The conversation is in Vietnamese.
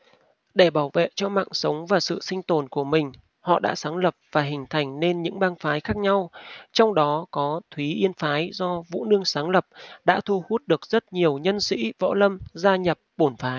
để bảo vệ cho mạng sống và sự sinh tồn của mình họ đã sáng lập và hình thành nên những bang phái khác nhau trong đó có thúy yên phái do vũ nương sáng lập đã thu hút được rất nhiều nhân sĩ võ lâm gia nhập bổn phái